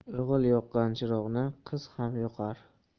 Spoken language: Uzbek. o'g'il yoqqan chiroqni qiz ham yoqar